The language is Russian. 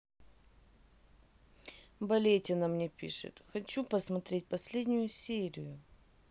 болеть она мне пишет хочу посмотреть последнюю серию